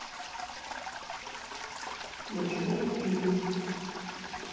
мажор фильм